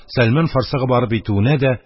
Сәлман Фарсига барып йитүендә дә,